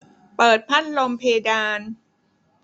เปิดพัดลมเพดาน